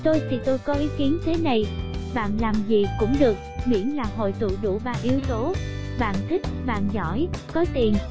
tôi thì tôi có ý kiến thế này bạn làm gì cũng được miễn là hội tụ đủ yếu tố bạn thích bạn giỏi có tiền